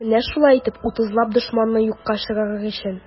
Менә шулай итеп, утызлап дошманны юкка чыгарыр өчен.